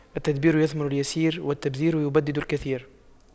التدبير يثمر اليسير والتبذير يبدد الكثير